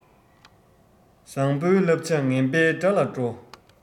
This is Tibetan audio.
བཟང པོའི བསླབ བྱ ངན པའི དགྲ ལ འགྲོ